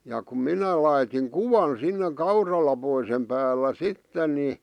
ja kun minä laitoin kuvan sinne kauralaposen päällä sitten niin